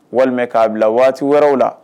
Walima k'a bila waati wɛrɛw la.